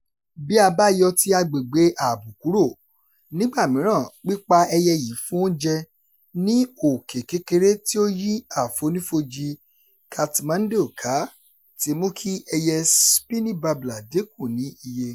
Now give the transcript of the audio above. Bí a bá yọ ti agbègbè ààbò kúrò, nígbà mìíràn pípa ẹyẹ yìí fún oúnjẹ, ní òkè kékeré tí ó yí àfonífojì Kathmandu ká ti mú kí ẹyẹ Spiny Babbler dínkù ni iye.